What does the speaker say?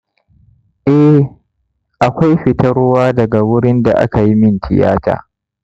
eh, akwai fitar ruwa daga wurin da aka yi min tiyata.